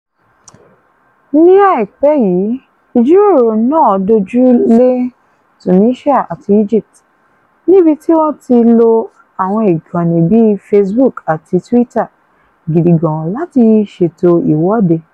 Ní àìpẹ́ yìí, ìjíròrò náà dójú lé Tunisia àti Egypt, níbi tí wọ́n ti lo àwọn ìkànnì bíi Facebook àti Twitter gidi gan láti ṣètò ìwọ́de.